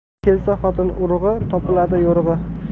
kelsa xotin urug'i topiladi yo'rig'i